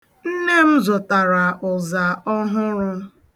Nne m zụtara ụza ọhụrụ.